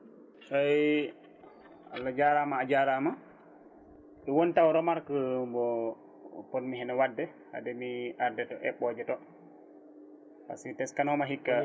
eyyi Allah jarama a jarama won taw remarque mo ponmi hen wadde haade mi arde to eɓɓoje to par ce que mi teskanoma hikka